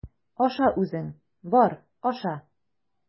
Аша үзең, бар, аша!